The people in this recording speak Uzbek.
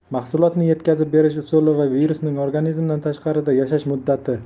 mahsulotni yetkazib berish usuli va virusning organizmdan tashqarida yashash muddati